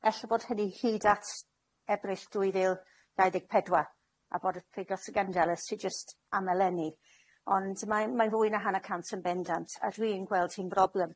Ella bod hynny hyd at Ebrill dwy fil dau ddeg pedwa, a bod y ffigwr sy gandel y sy' jyst am eleni, ond mae'n mae'n fwy na hanner cant yn bendant, a dwi'n gweld hi'n broblem.